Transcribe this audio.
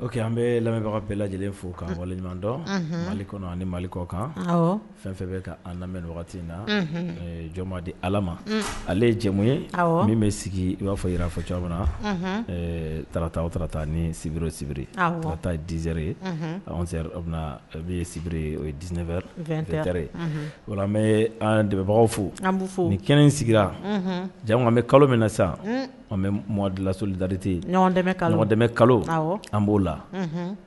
Oke an bɛ lamɛnbagaw bɛɛ lajɛlen fo'an bɔ ɲumandɔn mali kɔnɔ ani malikaw kan fɛn bɛ an lamɛn wagati in na jɔnma di ala ma ale ye jɛmu ye min bɛ sigi i b'a fɔ jira fɔ cogo min na taaratata ni sibiere sibirita dzre bɛbi difɛ wa an bɛ an debagaw fo an bɛ kɛnɛ sigira jamu an bɛ kalo min na sa an bɛ mɔdilasoli datemɛ kalo an b'o la